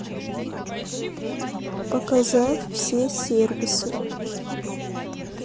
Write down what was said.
показать все сервисы